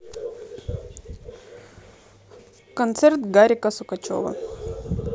концерт гарика сукачева